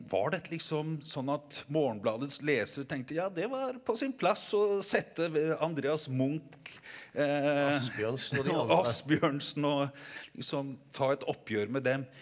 var dette liksom sånn at Morgenbladets lesere tenkte ja det var på sin plass og sette Andreas Munch Asbjørnsen og liksom ta et oppgjør med dem.